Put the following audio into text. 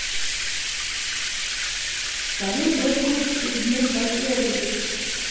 салют в иркутске к дню победы